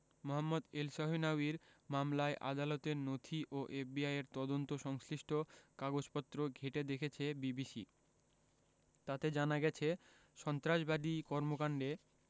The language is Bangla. মোহাম্মদ এলসহিনাউয়ির মামলায় আদালতের নথি ও এফবিআইয়ের তদন্ত সংশ্লিষ্ট কাগজপত্র ঘেঁটে দেখেছে বিবিসি তাতে জানা গেছে সন্ত্রাসবাদী কর্মকাণ্ডে